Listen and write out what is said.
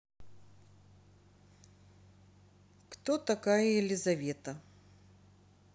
кто такая елизавета